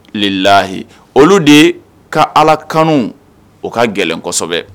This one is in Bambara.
Lelilahiyi olu de ye ka ala kan kanu o ka gɛlɛn kosɛbɛ